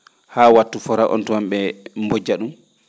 haa wattu fora oon taan ?e mbojja ?um